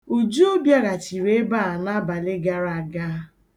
Uju bịaghachiri ebe a n'abalị gara aga.